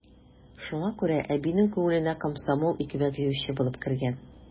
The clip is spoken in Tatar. Шуңа күрә әбинең күңеленә комсомол икмәк җыючы булып кергән.